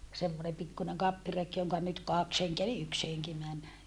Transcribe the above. semmoinen pikkuinen kappireki jonka nyt kaksi henkeä eli yksi henki meni